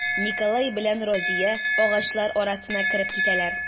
Николай белән Разия агачлар арасына кереп китәләр.